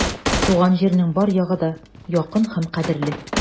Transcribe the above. Туган җирнең бар ягы да якын һәм кадерле.